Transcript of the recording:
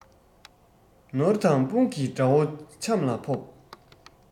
ནོར དང དཔུང གིས དགྲ བོ ཆམ ལ ཕོབ